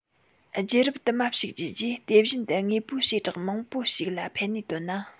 རྒྱུད རབས དུ མ ཞིག བརྒྱུད རྗེས དེ བཞིན དུ དངོས པོའི བྱེ བྲག མང པོ ཞིག ལ ཕན ནུས བཏོན ན